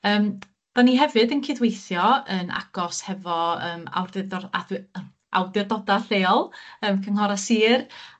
yym 'dan ni hefyd yn cydweithio yn agos hefo yym awdurdod- addwy- yy awdurdoda' lleol yym cynghora' sir.